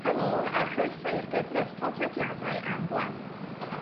Helo a chroeso i'r gyfres podlediadau am blant